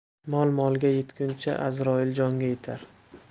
mol molga yetguncha azroil jonga yetar